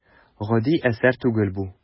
Гади әсәр түгел бу.